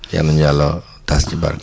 yal nañu yàlla taas ci barkeem